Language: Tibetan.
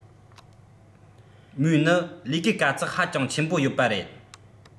མོའི ནི ལས ཀའི དཀའ ཚེགས ཧ ཅང ཆེན པོ ཡོད པ རེད